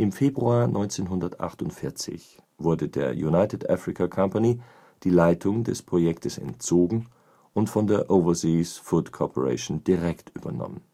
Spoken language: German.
Februar 1948 wurde der United Africa Company die Leitung des Projektes entzogen und von der Overseas Food Corporation direkt übernommen